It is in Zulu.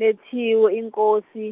Lethiwe, inkosi